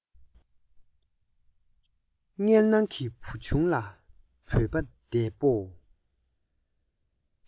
མངལ ནང གི བུ ཆུང ལ བོད པ འདས པོ